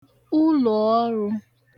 uloọrụ̄